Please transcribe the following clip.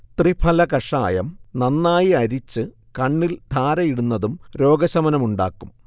തൃഫല കഷായം നന്നായി അരിച്ച് കണ്ണിൽ ധാരയിടുന്നതും രോഗശമനമുണ്ടാക്കും